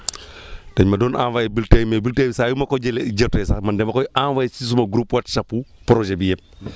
dañ ma doon envoyé bulletin mais bulletin yi saa yu ma ko jëlee jotee sax man dama koy envoyé si suma groupe whatsapp bu projet bi yëpp